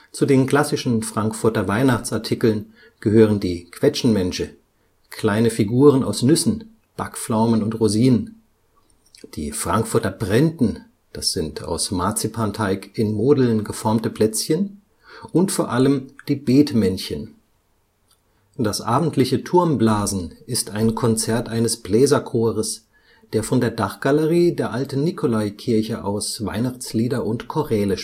Zu den klassischen Frankfurter Weihnachtsartikeln gehören die Quetschemännsche, kleine Figuren aus Nüssen, Backpflaumen und Rosinen, die Frankfurter Brenten (aus Marzipanteig in Modeln geformte Plätzchen) und vor allem die Bethmännchen. Das abendliche Turmblasen ist ein Konzert eines Bläserchores, der von der Dachgalerie der Alten Nikolaikirche aus Weihnachtslieder und Choräle spielt